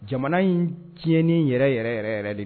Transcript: Jamana in tiɲɛni yɛrɛ yɛrɛ yɛrɛ yɛrɛ de ye